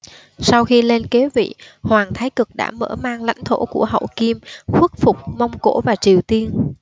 sau khi lên kế vị hoàng thái cực đã mở mang lãnh thổ của hậu kim khuất phục mông cổ và triều tiên